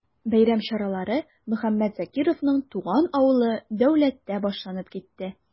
Бәйрәм чаралары Мөхәммәт Закировның туган авылы Дәүләттә башланып китте.